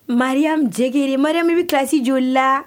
Maria jɛgɛgrin mari min bɛ kilasi joli la